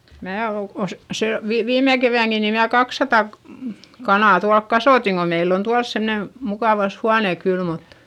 minä olen - se - viime keväänäkin niin minä kaksisataa kanaa tuolla kasvatin kun meillä on tuolla semmoinen mukava huone kyllä mutta